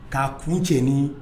K'a kun cɛ ni